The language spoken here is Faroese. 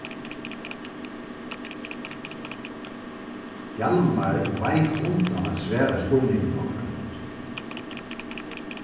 hjalmar veik undan at svara spurningum okkara